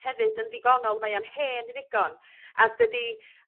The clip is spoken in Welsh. hefyd yn ddigonol mae o'n hen ddigon a dydi